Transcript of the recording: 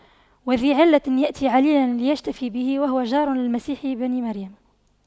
وذى علة يأتي عليلا ليشتفي به وهو جار للمسيح بن مريم